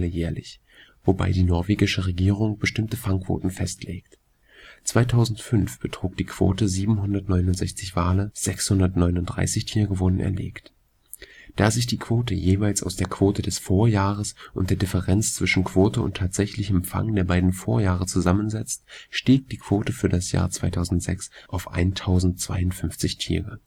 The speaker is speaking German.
jährlich, wobei die norwegische Regierung bestimmte Fangquoten festlegt. 2005 betrug die Quote 769 Wale, 639 Tiere wurden erlegt. Da sich die Quote jeweils aus der Quote des Vorjahres und der Differenz zwischen Quote und tatsächlichem Fang der beiden Vorjahre zusammensetzt, stieg die Quote für das Jahr 2006 auf 1052 Tiere